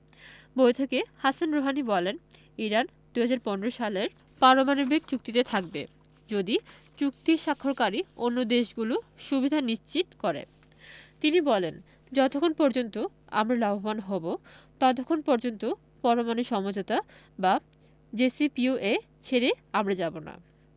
বৈঠকে Hassan Rouhani বলেন Iran ২০১৫ সালের পারমাণবিক চুক্তিতে থাকবে যদি চুক্তি স্বাক্ষরকারী অন্য দেশগুলো সুবিধা নিশ্চিত করে তিনি বলেন যতক্ষণ পর্যন্ত আমরা লাভবান হব ততক্ষণ পর্যন্ত পরমাণু সমঝোতা বা জেসিপিওএ ছেড়ে আমরা যাব না